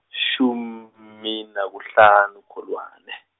shum- -mi nakuhlanu Kholwane.